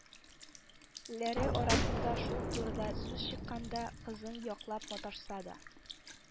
Ләре арасында шул турыда сүз чыкканда кызын яклап маташса да,